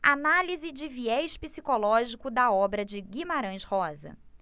análise de viés psicológico da obra de guimarães rosa